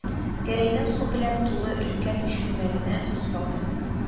Гәрәйнең су белән тулы өлкән чүлмәгенә күз салды